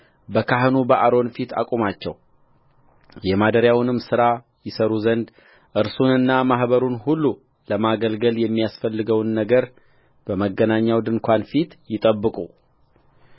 በካህኑ በአሮን ፊት አቁማቸውየማደሪያውንም ሥራ ይሠሩ ዘንድ እርሱንና ማኅበሩን ሁሉ ለማገልገል የሚያስፈልገውን ነገር በመገናኛው ድንኳን ፊት ይጠብቁ